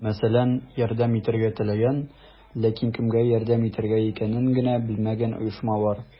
Мәсәлән, ярдәм итәргә теләгән, ләкин кемгә ярдәм итергә икәнен генә белмәгән оешма бар.